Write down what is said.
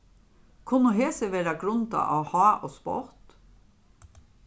kunnu hesi verða grundað á háð og spott